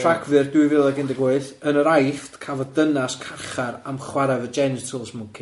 Rhagfyr dwy fil ag un deg wyth, yn yr Aifft cafodd dynas cachar am chwarae efo genitals mwnci.